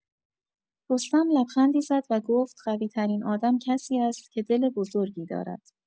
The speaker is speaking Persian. رستم لبخندی زد و گفت: «قوی‌ترین آدم کسی است که دل بزرگی دارد.»